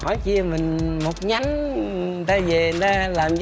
hỏi chi một nhánh ta về ta